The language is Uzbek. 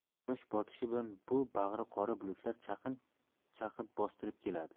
quyosh botishi bilan bu bag'ri qora bulutlar chaqin chaqib bostirib keladi